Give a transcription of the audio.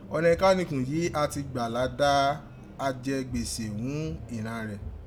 Onẹkanukun yìí a ti gbàlà da ajẹgbese ghún iran rẹ̀.